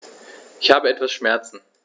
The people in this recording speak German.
Ich habe etwas Schmerzen.